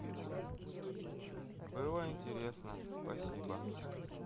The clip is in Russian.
было интересно спасибо